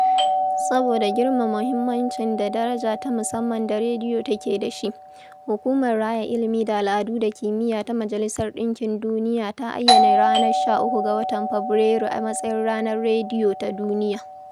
Saboda girmama muhimmancin da daraja ta musamman da rediyo take da shi, Hukumar Raya Ilimi da Al'adu da Kimiyya Ta Majalisar ɗinkin Duniya ta ayyana ranar 13 ga watan Fabrairu a matsayin Ranar Rediyo ta Duniya.